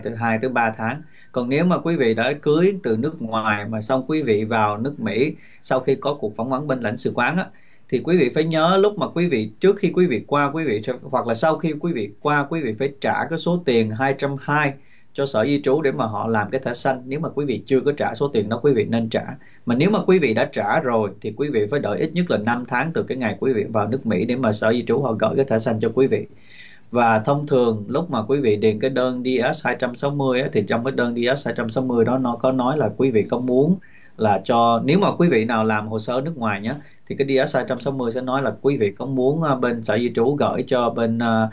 hai tới ba tháng còn nếu mà quý vị đã cưới từ nước ngoài mà song quý vị vào nước mỹ sau khi có cuộc phỏng vấn bên lãnh sự quán á thì quý vị phải nhớ lúc mà quý vị trước khi quý vị qua quý vị cho hoặc là sau khi quý vị qua quý vị phải trả cái số tiền hai trăm hai cho sở di trú để mà họ làm cái thẻ xanh nếu mà quý vị chưa có trả số tiền đó quý vị nên trả mà nếu mà quý vị đã trả rồi thì quý vị phải đợi ít nhất là năm tháng từ cái ngày quý vị vào nước mỹ để mời sở di trú họ gởi cái thẻ xanh cho quý vị và thông thường lúc mà quý vị điền cái đơn đi ét hai trăm sáu mươi á thì trong cái đơn đi ét hai trăm sáu mươi đó nó có nói là quý vị có muốn là cho nếu mà quý vị nào làm hồ sơ ở nước ngoài nhớ thì cái đi ét hai trăm sáu mươi sẽ nói là quý vị có muốn bên sở di trú gởi cho bên a